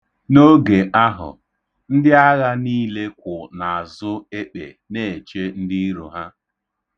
̣N'oge ahụ, ndịagha niile kwụ n'azụ ekpe na-eche ndị iro ha.